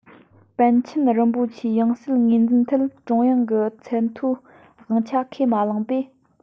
པཎ ཆེན རིན པོ ཆེའི ཡང སྲིད ངོས འཛིན ཐད ཀྲུང དབྱང གི ཚད མཐོའི དབང ཆ ཁས མ བླངས པས